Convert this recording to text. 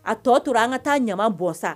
A tɔ tora an ka taa ɲama bɔn sa